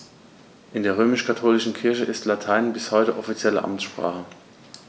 In der römisch-katholischen Kirche ist Latein bis heute offizielle Amtssprache.